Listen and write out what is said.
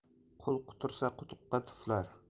qui qutursa quduqqa tuflar